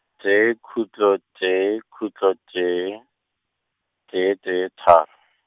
tee khutlo tee khutlo tee, tee tee tharo.